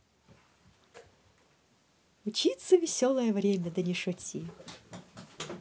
учиться веселое время да не шути